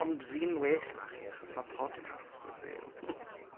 Ond fi'n well 'na chi achos ma podcast 'da fi.